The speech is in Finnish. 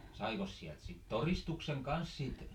saikos sieltä sitten todistuksen kanssa siitä